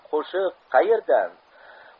qo'shiq qaerdan